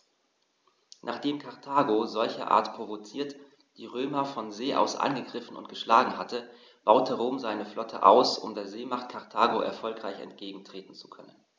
Nachdem Karthago, solcherart provoziert, die Römer von See aus angegriffen und geschlagen hatte, baute Rom seine Flotte aus, um der Seemacht Karthago erfolgreich entgegentreten zu können.